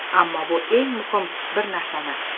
ammo u eng muhim bir narsani